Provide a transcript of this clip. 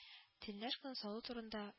Тельняшканы салу турында